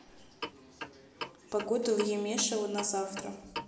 погода в емешево на завтра